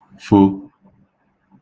fo